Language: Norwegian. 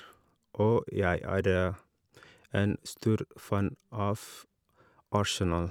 Og jeg er en stor fan av Arsenal.